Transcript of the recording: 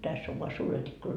tässä on vain suuret ikkunat